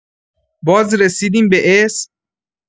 باز رسیدیم به اسم؟